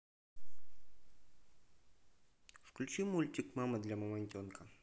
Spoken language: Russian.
включи мультик мама для мамонтенка